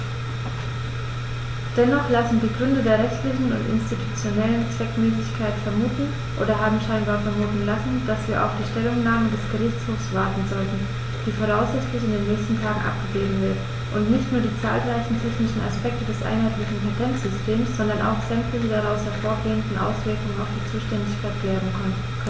Dennoch lassen die Gründe der rechtlichen und institutionellen Zweckmäßigkeit vermuten, oder haben scheinbar vermuten lassen, dass wir auf die Stellungnahme des Gerichtshofs warten sollten, die voraussichtlich in den nächsten Tagen abgegeben wird und nicht nur die zahlreichen technischen Aspekte des einheitlichen Patentsystems, sondern auch sämtliche daraus hervorgehenden Auswirkungen auf die Zuständigkeit klären könnte.